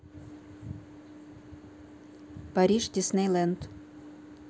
париж диснейленд